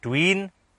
dwin